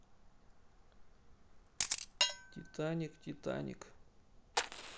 титаник титаник